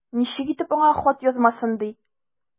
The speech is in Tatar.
Ничек итеп аңа хат язмыйсың ди!